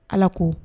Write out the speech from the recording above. Ala ko